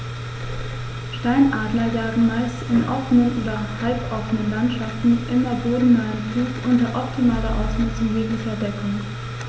Steinadler jagen meist in offenen oder halboffenen Landschaften im bodennahen Flug unter optimaler Ausnutzung jeglicher Deckung.